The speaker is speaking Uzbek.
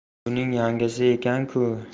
buning yangasi ekanku